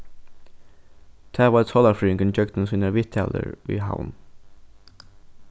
tað veit sálarfrøðingurin gjøgnum sínar viðtalur í havn